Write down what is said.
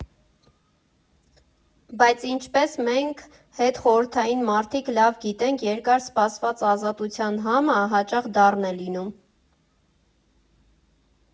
Բայց, ինչպես մենք՝ հետխորհրդային մարդիկ, լավ գիտենք՝ երկար սպասված ազատության համը հաճախ դառն է լինում։